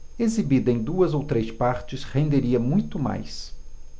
exibida em duas ou três partes renderia muito mais